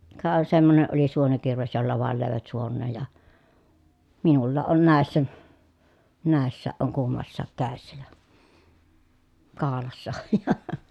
ka semmoinen oli suonikirves jolla vain löivät suoneen ja minullakin on näissä näissäkin on kummassakin kädessä ja kaulassa on ja